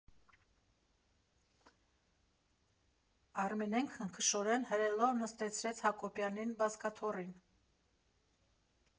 Արմինեն քնքշորեն հրելով նստեցրեց Հակոբյանին բազկաթոռին։